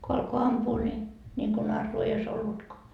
kun alkoi ampua niin niin kuin narua ei olisi ollutkaan